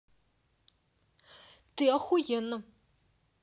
ты охуенно